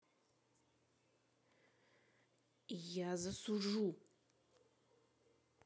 я засужу